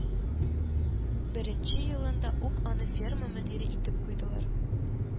Беренче елында ук аны ферма мөдире итеп куйдылар